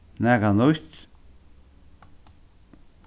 nakað nýtt